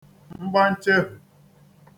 mgbanchehù